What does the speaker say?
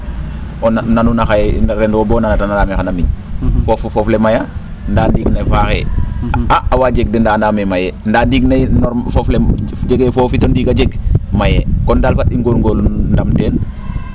o nanu na xaye reno bo o nanatan xaye miñ foof le maya ndaa ndiing ne faaxee aa awa jeg de ndaa andaam mee mayee ndaa ndiig ne foof le jegee foofu too ndiig a jeg mayee kon ndaal fat i ngoorgoorlu ndam teen